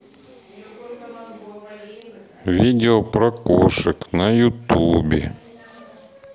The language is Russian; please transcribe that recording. видео про кошек на ютубе